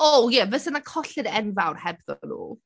Oh yeah. Fysa 'na colled enfawr hebddan nhw.